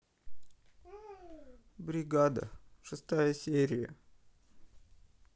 бригада шестая серия